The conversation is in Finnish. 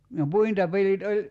no puintipelit oli